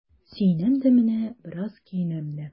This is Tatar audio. Сөенәм дә менә, бераз көенәм дә.